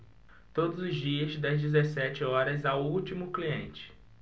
todos os dias das dezessete horas ao último cliente